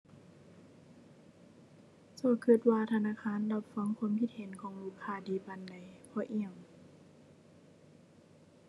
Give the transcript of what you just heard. เจ้าคิดว่าธนาคารรับฟังความคิดเห็นของลูกค้าดีปานใด เพราะอิหยัง